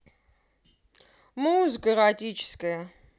музыка эротическая